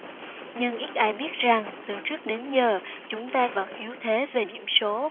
nhưng ít ai biết rằng từ trước đến giờ chúng ta vẫn yếu thế về điểm số